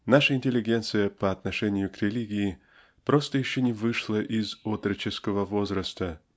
Наша интеллигенция по отношению к религии просто еще Не вышла из отроческого возраста